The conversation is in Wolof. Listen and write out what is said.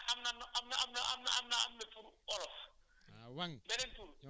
voilà voilà maintenant am nanu am na am na am na am na tur olof